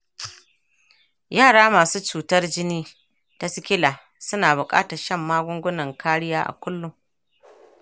yara masu cutar jini ta sikila suna buƙatar shan magungunan kariya a kullum.